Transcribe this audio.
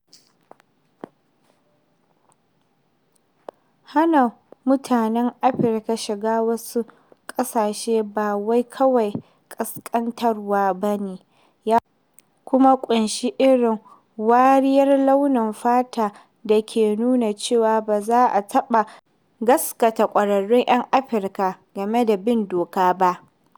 Hana mutanen Afirka shiga wasu ƙasashe ba wai kawai ƙasƙantarwa ba ne - ya kuma ƙunshi irin wariyar launin fata da ke nuna cewa ba za a taɓa gasgata ƙwararru 'yan Afirka game da bin doka ba.